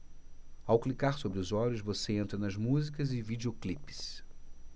ao clicar sobre os olhos você entra nas músicas e videoclipes